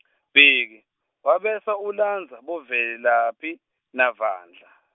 Bhelci, wabese ulandza boVelaphi, naVandla.